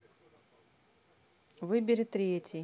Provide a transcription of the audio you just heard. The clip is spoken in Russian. выбери третий